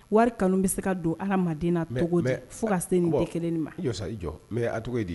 Wari kanu bɛ se ka don adamadenna < mais, mais >cogo di fo ka se nin degrée in ma? mɛ ,mɛ i jɔ sa mɛ a tɔgɔ ye di ?.